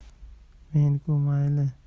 men ku mayli